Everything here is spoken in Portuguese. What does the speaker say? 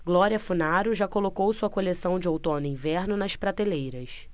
glória funaro já colocou sua coleção de outono-inverno nas prateleiras